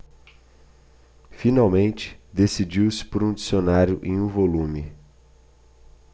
finalmente decidiu-se por um dicionário em um volume